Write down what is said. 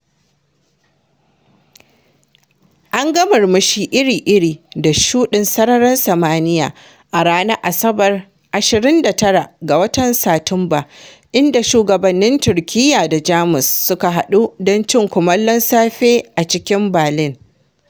An ga murmurshi iri-iri da shuɗin sararin samaniya a ranar Asabar (29 ga Satumba) inda shugabannin Turkiyya da Jamus suka haɗu don cin kumallon safe a cikin Berlin.